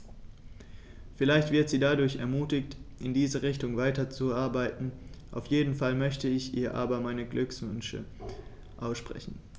Vielleicht wird sie dadurch ermutigt, in diese Richtung weiterzuarbeiten, auf jeden Fall möchte ich ihr aber meine Glückwünsche aussprechen.